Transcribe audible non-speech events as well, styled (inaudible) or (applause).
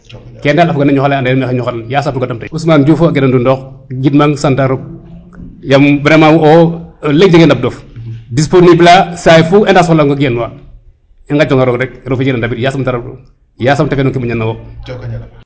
kene dal a foga na ñoxale (unintelligible) yasam roga dam ta in Ousmane Diouf o a geno Ndounokh gid mang sant a rog yaam vraiment wo o o leŋ jege ndaɓ dof disponible a saay fu ENDA soxla onga geen wa i ngaƴ tanga roog rek roog fe jeg na ndabid yasam te rab dong yasam te fiya nong ke moƴna na wo (unintelligible)